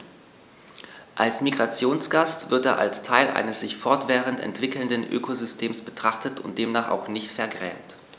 Als Migrationsgast wird er als Teil eines sich fortwährend entwickelnden Ökosystems betrachtet und demnach auch nicht vergrämt.